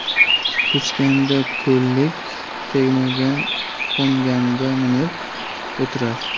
ko'chganda ko'lik tegmagan qo'nganda minib o'tirar